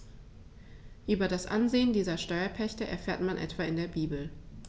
Über das Ansehen dieser Steuerpächter erfährt man etwa in der Bibel.